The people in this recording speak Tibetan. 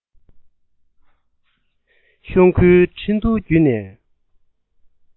གཤོང ཁུལ ཁྲིན ཏུའུ བརྒྱུད ནས